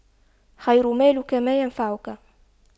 خير مالك ما نفعك